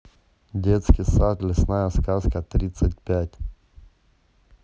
детский сад лесная сказка тридцать пять